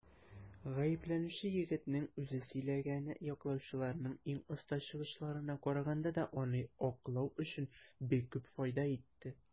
Гаепләнүче егетнең үзе сөйләгәне яклаучыларның иң оста чыгышларына караганда да аны аклау өчен бик күп файда итте.